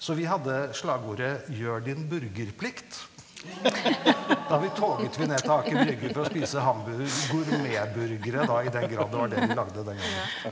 så vi hadde slagordet gjør din burgerplikt da vi toget vi ned til Aker Brygge for å spise gourmetburgere da, i den grad det var det de lagde den gangen.